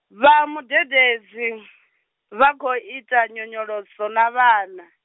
vha mudededzi, vha khou ita nyonyoloso na vhana.